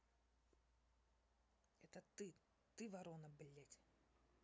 это ты ты ворона блядь